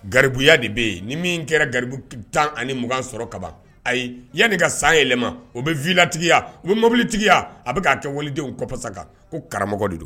Garibuya de bɛ yen ni min kɛra garibu tan ani mugan sɔrɔ kaban ayi yanni ka san yɛlɛma o bɛ vitigiya u bɛ mobili tigiya a bɛ kaa kɛ waledenw kɔsa ko karamɔgɔ de don